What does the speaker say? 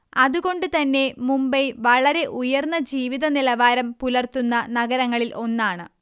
അതുകൊണ്ടു തന്നെ മുംബൈ വളരെ ഉയര്ന്ന ജീവിത നിലവാരം പുലര്ത്തുന്ന നഗരങ്ങളിൽ ഒന്നാണ്